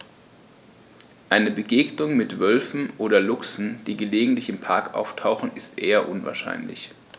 Eine Begegnung mit Wölfen oder Luchsen, die gelegentlich im Park auftauchen, ist eher unwahrscheinlich.